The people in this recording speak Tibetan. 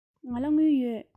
ང ལ དངུལ ཡོད